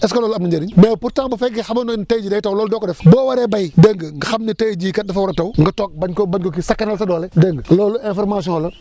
est ce que loolu am na njëriñ mais pourtant bu fekkee xamoon nga ni tey jii day taw loolu doo ko def boo waree béy dégg nga nga xam ni tey jii kat dafa war a taw nga toog bañ koo bañ ko kii sakanal sa doole dégg nga loolu information la